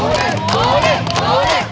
cố lên cố lên